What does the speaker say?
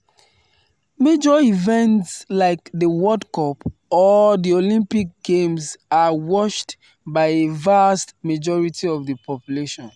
Major events like the World Cup or the Olympic Games are watched by a vast majority of the population.